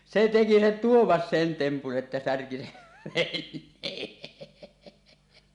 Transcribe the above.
se teki se Tuomas sen tempun että särki sen veneen